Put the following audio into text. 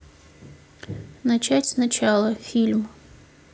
начать сначала фильм